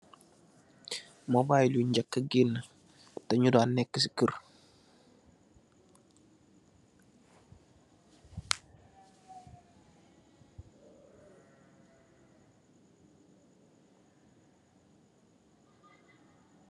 Mobile yu nyaka gena teh nudan neka se kerr.